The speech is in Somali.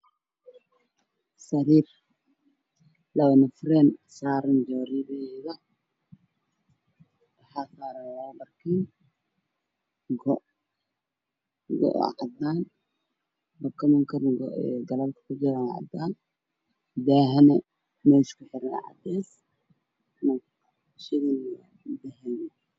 Sariir laba nafreen ah oo saaran joodariyeheeda, waxa saaran barkin, go', go, ana waa cadaan, barkimankana galalka ay ku jiraan waa cadaan, daaha meesha ku xiran waa cadeys